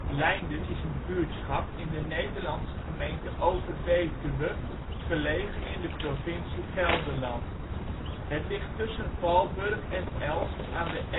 Lijnden is een buurtschap in de Nederlandse gemeente Overbetuwe, gelegen in de provincie Gelderland. Het ligt tussen Valburg en Elst aan de